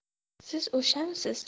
siz o'shamisiz